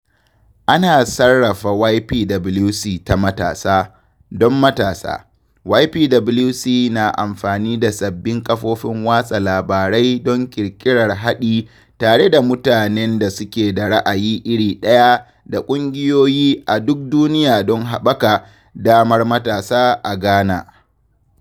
Ana sarrafa YPWC ta matasa, don matasa, YPWC na amfani da sabbin kafofin watsa labarai don ƙirƙirar haɗi tare da mutanen da suke da ra’ayi iri ɗaya da ƙungiyoyi a duk duniya don haɓaka damar matasa a Ghana.